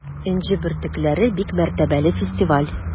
“энҗе бөртекләре” - бик мәртәбәле фестиваль.